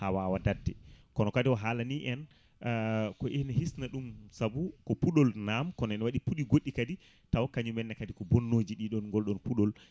ha wawa dadde kono kadi o haalani en ko ina hisna ɗum saabu ko puɗɗol naam kono ene waɗi puɗɗi goɗɗi kadi taw kañum men kadi ko bonnoji ɗiɗon gol ɗon puɗɗol